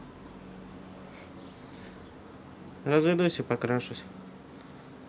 разведусь и покрашусь